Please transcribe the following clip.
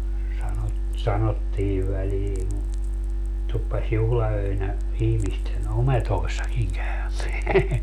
- sanottiin väliin tuppasi juhlaöinä ihmisten ometoissakin käymään